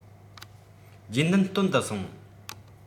རྗེས མཐུན སྟོན དུ སོང